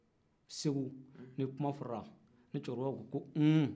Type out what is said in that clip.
segu ni kuma fɔra ni cɛkɔrɔbaw ko ko un